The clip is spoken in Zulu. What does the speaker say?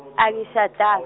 angishadang-.